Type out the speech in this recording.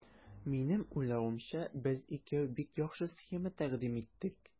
Минем уйлавымча, без икәү бик яхшы схема тәкъдим иттек.